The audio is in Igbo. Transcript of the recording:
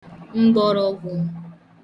m̀gbọ̀rọ̀gwụ̀